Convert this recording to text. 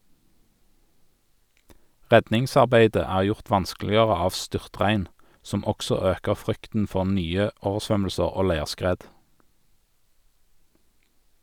Redningsarbeidet er gjort vanskeligere av styrtregn, som også øker frykten for nye oversvømmelser og leirskred.